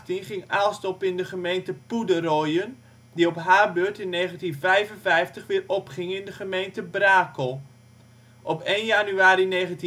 1818 ging Aalst op in de gemeente Poederoijen die op haar beurt in 1955 weer opging in de gemeente Brakel. Op 1 januari 1999 is deze